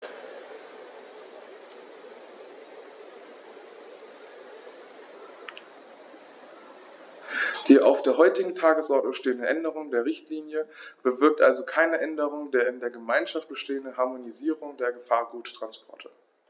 Die auf der heutigen Tagesordnung stehende Änderung der Richtlinie bewirkt also keine Änderung der in der Gemeinschaft bestehenden Harmonisierung der Gefahrguttransporte.